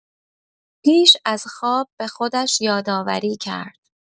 پیش از خواب به خودش یادآوری کرد.